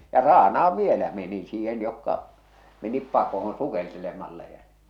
ja raanaan vielä meni siihen jotka menivät pakoon sukeltelemalla ja